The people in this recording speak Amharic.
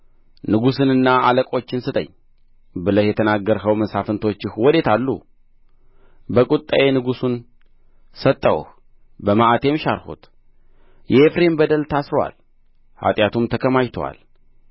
ንጉሥንና አለቆችን ስጠኝ ብለህ የተናገርኸው መሳፍንቶችህ ወዴት አሉ በቍጣዬ ንጉሥን ሰጠሁህ በመዓቴም ሻርሁት የኤፍሬም በደል ታስሮአል ኃጢአቱም ተከማችቶአል